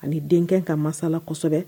Ani denkɛ ka masala kosɛbɛ